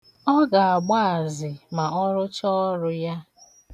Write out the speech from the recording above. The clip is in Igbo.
Ọ ga-agba azị ma ọrụcha ọrụ ya.